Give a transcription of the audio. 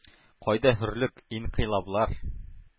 Кайда хөрлек, инкыйлаблар,